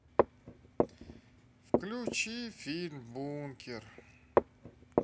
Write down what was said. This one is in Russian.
включи фильм бункер